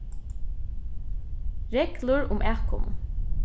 reglur um atkomu